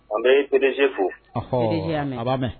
An bɛ P D G fo, ɔhɔɔ, P D G y'a mɛn, a b'a mɛn.